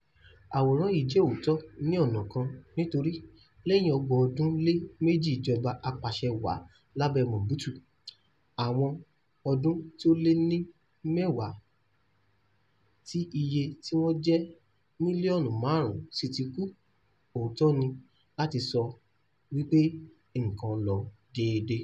Àwòrán yìí jẹ́ òótọ́ ní ọ̀nà kan nítorí lẹ́yìn ọgbọ̀n ọdún lé méjì ìjọba apàṣẹ wàá lábẹ́ Mobutu àti ọdún tí ó lé ní mẹ́wàá tí iye tí wọ́n jẹ́ mílíọ̀nù márùn-ún sí tí kú, òótọ́ ni láti sọ wí pé nǹkan ò lọ déédé.